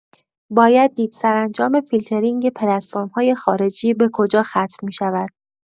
باید دید سرانجام فیلترینگ پلتفرم‌های خارجی به کجا ختم می‌شود.